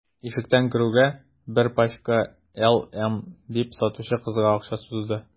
Ишектән керүгә: – Бер пачка «LM»,– дип, сатучы кызга акча сузды.